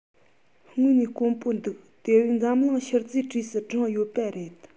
དངོས གནས དཀོན པོ འདུག དེ བས འཛམ གླིང ཤུལ རྫས གྲས སུ བསྒྲེངས ཡོད པ རེད